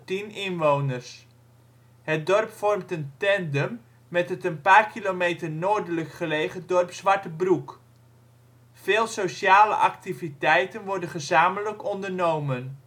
1510 inwoners (2008). Het dorpt vormt een tandem met het een paar kilometer noordelijk gelegen dorp Zwartebroek; veel sociale activiteiten worden gezamenlijk ondernomen